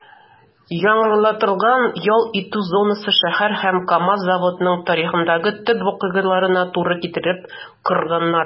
Яңартылган ял итү зонасын шәһәр һәм КАМАЗ заводының тарихындагы төп вакыйгаларына туры китереп корганнар.